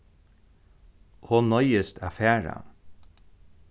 hon noyðist at fara